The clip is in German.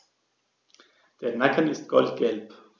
Der Nacken ist goldgelb.